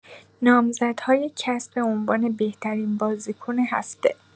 نامزدهای کسب عنوان بهترین بازیکن هفته